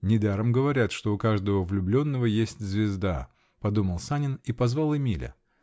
"Недаром говорят, что у каждого влюбленного есть звезда", -- подумал Санин и позвал Эмиля.